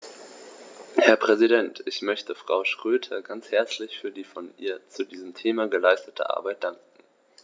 Herr Präsident, ich möchte Frau Schroedter ganz herzlich für die von ihr zu diesem Thema geleistete Arbeit danken.